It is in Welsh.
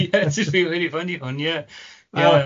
Ie, dwi'n mynd i ffeindio hwn ie.